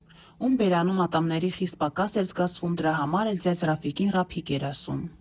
Ում բերանում ատամների խիստ պակաս էր զգացվում, դրա համար էլ ձյաձ Ռաֆիկին «Ռափիկ» էր ասում։